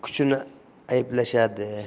vaziyatning kuchini ayblashadi